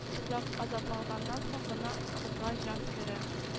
Озак азапланганнан соң гына кызга җан керә